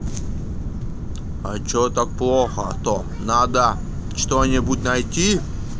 а че так плохо то надо что нибудь найти